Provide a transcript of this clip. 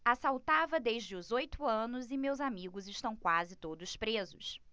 assaltava desde os oito anos e meus amigos estão quase todos presos